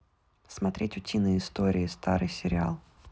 смотреть утиные истории старый сериал